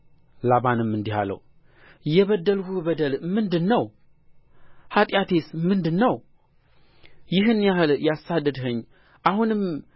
ላባንም እንዲህ አለው የበደልሁህ በደል ምንድር ነው ኃጢአቴስ ምንድር ነው ይህን ያህል ያሳደድኸኝ አሁንም